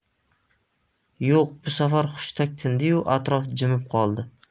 yo'q bu safar hushtak tindi yu atrof jimib qoldi